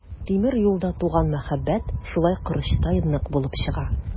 Тимер юлда туган мәхәббәт шулай корычтай нык булып чыга.